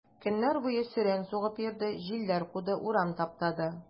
Көннәр буе сөрән сугып йөрде, җилләр куды, урам таптады.